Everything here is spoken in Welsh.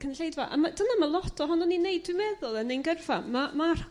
cynulleidfa a ma'... Dyna ma' lot ohonon ni'n 'neud dwi'n meddwl yn ein gyrffa ma ma'r